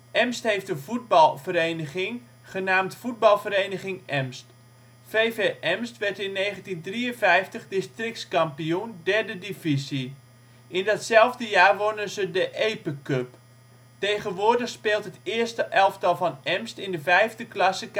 Emst heeft een voetbalvereniging genaamd " Voetbalvereniging EMST ". VV Emst werd in 1953 districtskampioen, 3e divisie. In datzelfde jaar wonnen ze de Epe cup. Tegenwoordig speelt het eerste elftal van Emst in de vijfde klasse